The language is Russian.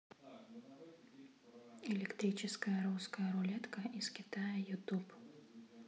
электрическая русская рулетка из китая ютуб